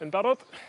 yn barod